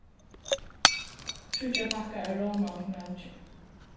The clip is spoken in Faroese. tríggjar pakkar av róma til matgerð